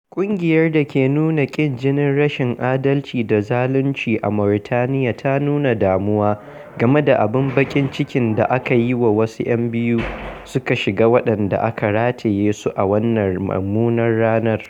ƙungiyar da ke nuna ƙin jinin rashin adalci da zalunci a Mauritaniya ta nuna damuwa game da abin baƙin cikin da wasu 'yan biyu suka shiga waɗanda aka rataye su a wannan mummunar ranar: